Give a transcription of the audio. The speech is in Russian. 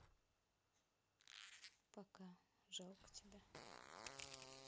пока жалко тебя